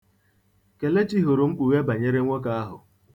Kelechi hụrụ mkpughe banyere nwoke ahụ.